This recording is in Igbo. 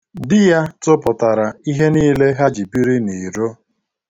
Di ya tụpụtara ihe niile ha ji biri n'iro.